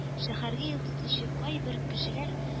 Шәһәргә юл тотучы кайбер кешеләр